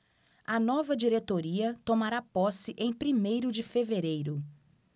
a nova diretoria tomará posse em primeiro de fevereiro